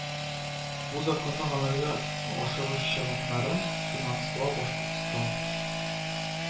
Бу Законны гамәлгә ашыру чыгымнарын финанслау Башкортстан